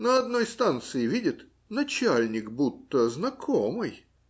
на одной станции видит - начальник будто знакомый.